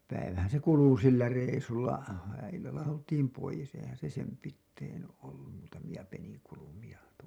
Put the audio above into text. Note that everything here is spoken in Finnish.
se päivähän se kului sillä reissulla illalla oltiin pois eihän se sen pitäen ollut muutamia peninkulmia -